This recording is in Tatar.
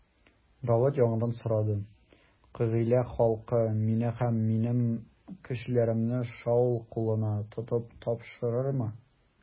Давыт яңадан сорады: Кыгыйлә халкы мине һәм минем кешеләремне Шаул кулына тотып тапшырырмы?